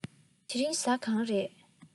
དེ རིང གཟའ གང རས